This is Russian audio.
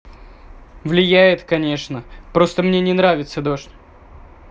влияет конечно просто мне не нравится дождь